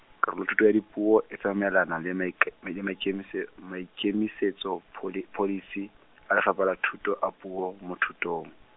karolothuto ya dipuo e tsamaelana, le maik-, le maikemise-, maikemisetso, pholi- pholisi, a Lefapha la Thuto, a puo mo thutong.